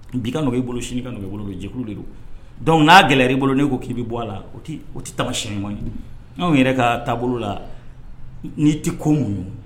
Bi ka nɔkɔ i bolo sini ka nɔkɔ i bolo jɛkulu mais jɛkulu de do. Donc na gɛlɛya li bolo ne ko ki bɛ bɔ a la , o ti taamasiɲɛn ɲuman ye. Anw yɛrɛ ka taabolo la ni ti ko muɲun